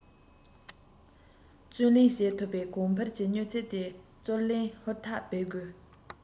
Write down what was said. བཙོན ལེན བྱེད ཐུབ པའི གོང འཕེལ གྱི མྱུར ཚད དེ བཙོན ལེན ཧུར ཐག བྱེད དགོས